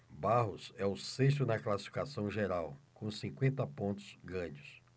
barros é o sexto na classificação geral com cinquenta pontos ganhos